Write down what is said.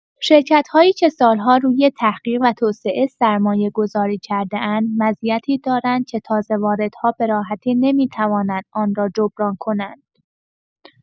شرکت‌هایی که سال‌ها روی تحقیق و توسعه سرمایه‌گذاری کرده‌اند، مزیتی دارند که تازه‌واردها به‌راحتی نمی‌توانند آن را جبران کنند.